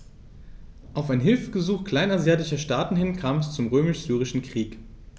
Auf ein Hilfegesuch kleinasiatischer Staaten hin kam es zum Römisch-Syrischen Krieg.